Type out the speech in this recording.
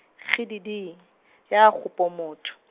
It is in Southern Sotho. kgididi, ya kgopo motho.